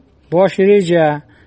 bosh reja